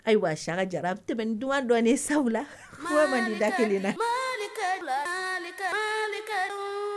Ayiwa sanga jara tɛm duman dɔ sabula man la kelen lakɛkɛ